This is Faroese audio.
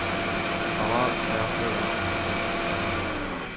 aftan á tað fór hann heim